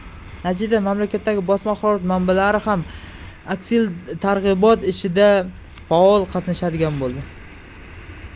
natijada mamlakatdagi bosma axborot manbalari ham aksiltarg ibot ishida faol qatnashadigan bo'ladilar